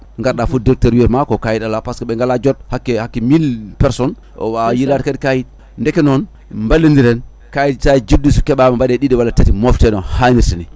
garɗa fo directeur wiyatma ko kayit ala par ce que ɓe gala joot hakke hakke mille personnes o wawa yiilade kadi kayit ndeke noon ballodiren kayit sa juddu so keeɓama mbaɗe ɗiɗi walla tati mofte no hannirta ni